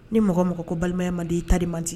Ni mɔgɔ o mɔgɔ ko balimaya man di i ta de man di!